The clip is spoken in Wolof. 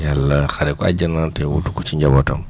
yàlla xaaree ko àjjana te wutu ko ci njabootam